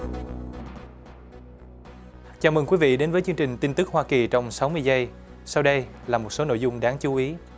chào chào mừng quý vị đến với chương trình tin tức hoa kỳ trong sáu mươi giây sau đây là một số nội dung đáng chú ý